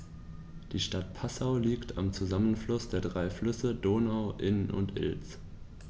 Die Stadt Passau liegt am Zusammenfluss der drei Flüsse Donau, Inn und Ilz.